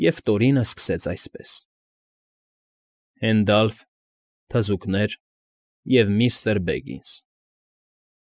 Եվ Տորինը սկսեց այսպես. ֊ Հենդալֆ, թզուկներ և միստր Բեգինս։